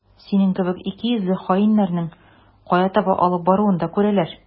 Синең кебек икейөзле хаиннәрнең кая таба алып баруын да күрәләр.